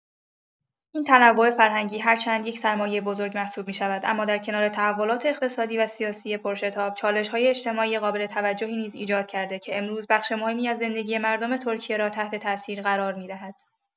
این تنوع فرهنگی هرچند یک سرمایه بزرگ محسوب می‌شود، اما در کنار تحولات اقتصادی و سیاسی پرشتاب، چالش‌های اجتماعی قابل توجهی نیز ایجاد کرده که امروز بخش مهمی از زندگی مردم ترکیه را تحت‌تأثیر قرار می‌دهد.